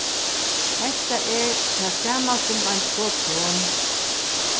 hetta er tað sama sum ein proton